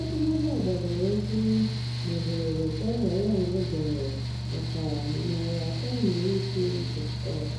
Edemede a gbadoro ụkwụ n'ederede Thelma Young dere maka 350.org,